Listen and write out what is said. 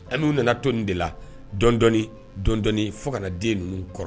An' nana toon nin de la dɔn dɔni fo kana na den ninnu kɔrɔ